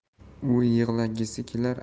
u yig'lagisi kelar